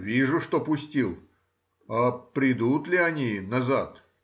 — Вижу, что пустил; а придут ли они назад?